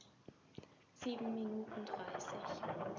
7 Minuten 30